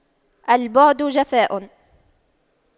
البعد جفاء